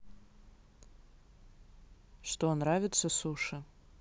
что нравится суши